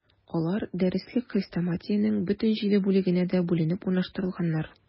Алар дәреслек-хрестоматиянең бөтен җиде бүлегенә дә бүленеп урнаштырылганнар.